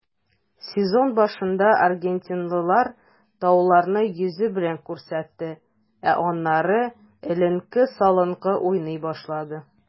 Сезон башында аргентинлылар тауарны йөзе белән күрсәтте, ә аннары эленке-салынкы уйный башлады.